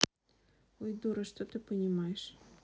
ой дура что ты понимаешь